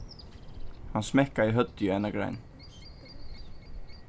hann smekkaði høvdið í eina grein